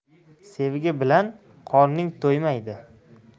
sevgi bilan qorning to'ymaydi